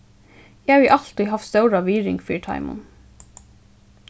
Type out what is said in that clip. eg havi altíð havt stóra virðing fyri teimum